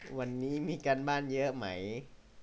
วันนี้มีการบ้านเยอะไหม